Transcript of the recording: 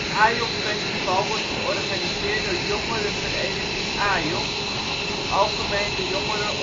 AJOC festival wordt georganiseerd door jongerenvereniging AJOC (Algemene Jongeren